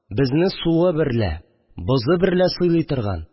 Безне суы берлә, бозы берлә сыйлый торган